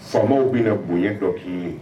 Faamaw bɛ bonya dɔ k'i ye